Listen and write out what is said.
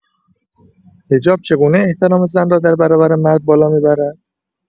حجاب چگونه احترام زن را در برابر مرد بالا می‌برد؟